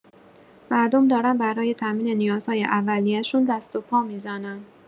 مردم دارن برای تامین نیازهای اولیه‌شون دست و پا می‌زنن.